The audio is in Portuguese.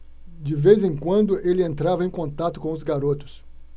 de vez em quando ele entrava em contato com os garotos